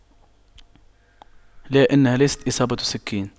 لا انها ليست اصابة سكين